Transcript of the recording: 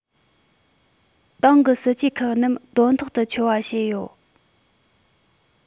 ཏང གི སྲིད ཇུས ཁག རྣམས དོན ཐོག ཏུ འཁྱོལ བ བྱས ཡོད